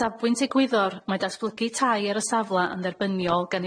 O safbwynt egwyddor mae datblygu tai ar y safla yn dderbyniol gan